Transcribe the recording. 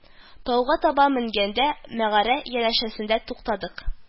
Тауга таба менгәндә мәгарә янәшәсендә туктадык